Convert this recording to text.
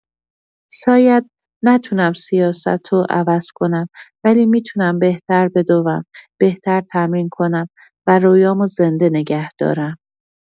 شاید نتونم سیاستو عوض کنم، ولی می‌تونم بهتر بدوم، بهتر تمرین کنم و رویامو زنده نگه دارم.